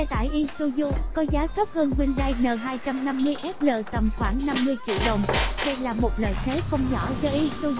xe tải isuzu có giá thấp hơn hyundai n sl tầm khoảng triệu đồng đây là một lợi thế không nhỏ cho isuzu